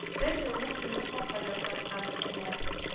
Бер елны тимер капка ясаткан әнә